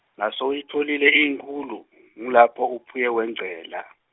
nasoyitfolile iyinkhulu, ngulapho uluphuya wengcela.